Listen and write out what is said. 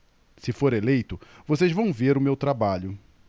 se for eleito vocês vão ver o meu trabalho